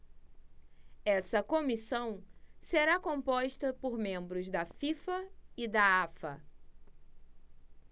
essa comissão será composta por membros da fifa e da afa